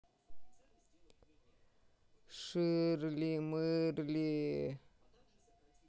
шырли мырли